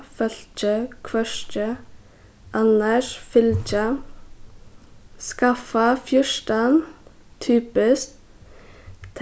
fólki hvørki annars fylgja skaffa fjúrtan typiskt